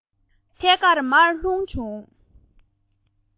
ཐད ཀར མར ལྷུང བྱུང